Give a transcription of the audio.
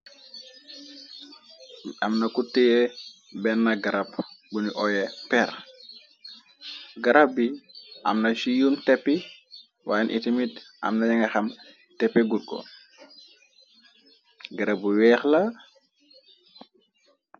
Amna kut teeye benn garab buni oyé per garab bi amna chiyum teppi wayen iti mit amna ñanga xam teppe gurko garab bu weex la.